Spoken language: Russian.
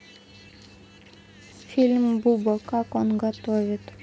мультик буба как он готовит